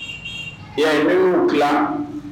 Yaugu tila